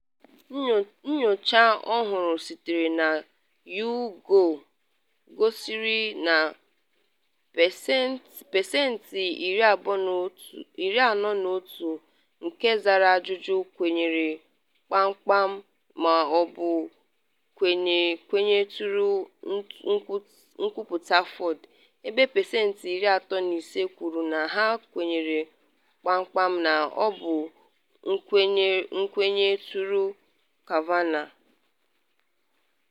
Nyocha ọhụrụ sitere na YouGov gosiri na pesentị 41 ndị zara ajụjụ kwenyere kpamkpam ma ọ bụ kwenyetụrụ nkwuputa Ford, ebe pesentị 35 kwuru na ha kwenyere kpamkpam ma ọ bụ kwenyetụrụ Kavanaugh.